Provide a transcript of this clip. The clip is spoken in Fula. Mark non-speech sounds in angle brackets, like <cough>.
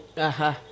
<hesitation> <hesitation>